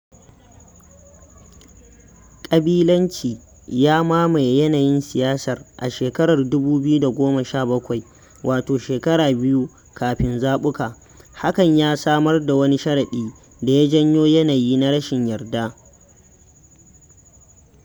ƙabilanci ya mamaye yanayin siyasar a shekarar 2017, wato shekaru biyu kafin zaɓuka, hakan ya samar da wani sharaɗi da ya janyo yanayi na rashin yarda.